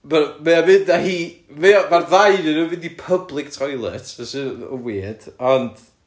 Ma' nhw... mae o mynd â hi... mae o... Ma'r ddau ohonyn nhw'n mynd i public toilet sydd yn weird ond...